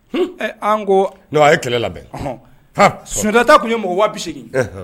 Hun ɛ an koo non a ye kɛlɛ labɛn ɔnhɔn paapapa Sunjata ta tun ye mɔgɔ 80.000 ye